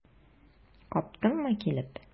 Каптыңмы килеп?